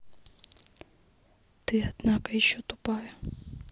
ты однако еще тупая